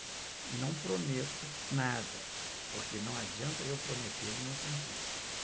não prometo nada porque não adianta eu prometer e não cumprir